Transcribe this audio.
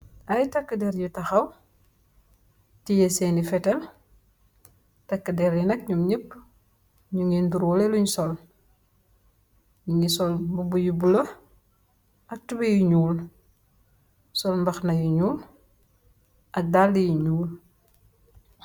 Ay tàkk der yu taxaw ciye seeni fetal takk der yi nak ñum ñépp ñu ngi ndurole luñ sol yi ngi sol bu bu yu bula ak tube yu ñuul sol mbax na yu ñuul ak dàll yi ñuul